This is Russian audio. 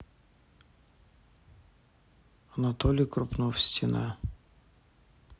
анатолий крупнов стена